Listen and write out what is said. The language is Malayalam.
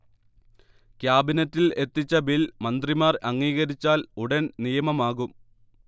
ക്യാബിനറ്റിൽ എത്തിച്ച ബിൽ മന്ത്രിമാർ അംഗീകരിച്ചാൽ ഉടൻ നിയമമാകും